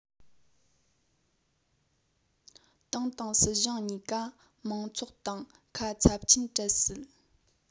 ཏང དང སྲིད གཞུང གཉིས ཀ མང ཚོགས དང ཁ ཚབས ཆེན བྲལ སྲིད